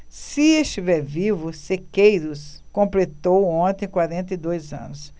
se estiver vivo sequeiros completou ontem quarenta e dois anos